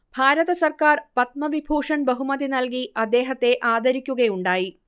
ഭാരത സർക്കാർ പദ്മവിഭൂഷൺ ബഹുമതി നല്കി അദ്ദേഹത്തെ ആദരിയ്ക്കുകയുണ്ടായി